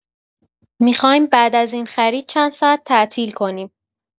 می‌خوایم بعد از این خرید چند ساعت تعطیل کنیم.